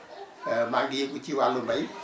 maa ngi yëngu ci wàllu mbay